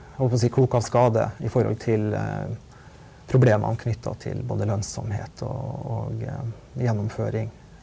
holdt på å si klok av skade i forhold til problemene knyttet til både lønnsomhet og og gjennomføring.